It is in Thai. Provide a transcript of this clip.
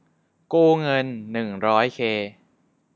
กู้เงินหนึ่งร้อยเค